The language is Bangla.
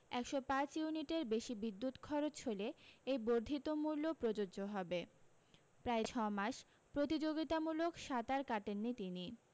একশ পাঁচশ ইউনিটের বেশী বিদ্যুত খরচ হলে এই বর্ধিত মূল্য প্রযোজ্য হবে প্রায় ছ মাস প্রতি্যোগিতামূলক সাঁতার কাটেননি তিনি